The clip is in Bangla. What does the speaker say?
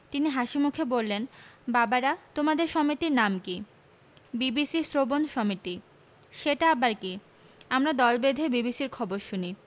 তিনি হাসিমুখে বললেন বাবারা তোমাদের সমিতির নাম কি বিবিসি শ্রবণ সমিতি সেটা আবার কি আমরা দল বেঁধে বিবিসির খবর শুনি